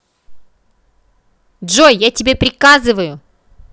джой я тебе приказываю